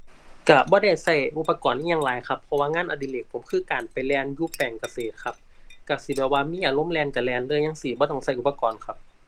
ก็บ่ได้ก็อุปกรณ์อิหยังหลายครับ เพราะว่างานอดิเรกผมคือการไปแล่นอยู่แปลงเกษตรครับ ก็สิแบบว่ามีอารมณ์แล่นก็เล่นเลยจั่งซี้ บ่ต้องก็อุปกรณ์ครับ